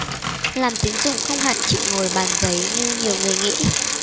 làm tín dụng không hẳn chỉ ngồi bàn giấy như nhiều người nghĩ